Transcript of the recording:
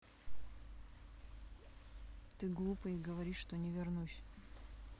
ты глупый и говоришь что не вернусь